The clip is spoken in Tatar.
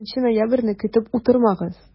4 ноябрьне көтеп утырмагыз!